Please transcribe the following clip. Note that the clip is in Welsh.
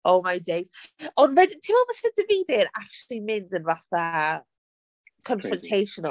Oh my days. Ond wedyn ti'n meddwl byse Davide'n actually yn mynd yn fatha confrontational?